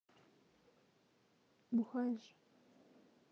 бухаешь